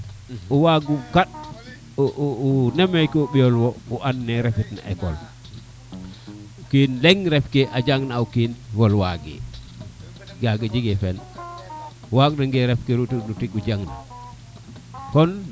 owago kaɗ o nemeku o ɓiyo nge wo o an ne refit na école o kiin leŋ ref ke a jang na o kiin bo waage kaga jege sen o waag ange ref koge tig a jang na ko n